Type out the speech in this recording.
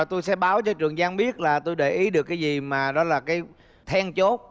tôi sẽ báo cho trường giang biết là tôi để ý được cái gì mà đó là cái then chốt